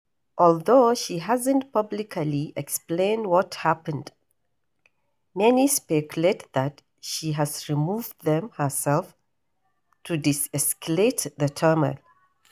Although she hasn't publicly explained what happened, many speculate that she has removed them herself to de-escalate the turmoil.